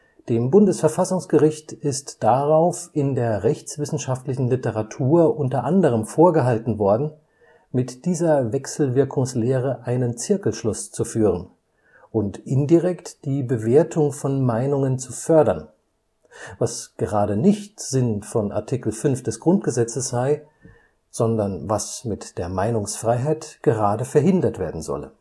Dem Bundesverfassungsgericht ist darauf in der rechtswissenschaftlichen Literatur unter anderem vorgehalten worden, mit dieser Wechselwirkungslehre einen Zirkelschluss zu führen und indirekt die Bewertung von Meinungen zu fördern, was gerade nicht Sinn von Art. 5 GG sei, sondern was mit der Meinungsfreiheit gerade verhindert werden solle